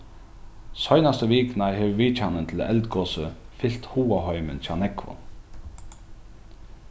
seinastu vikuna hevur vitjanin til eldgosið fylt hugaheimin hjá nógvum